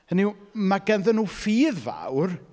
Hynny yw, ma' ganddyn nhw ffydd fawr...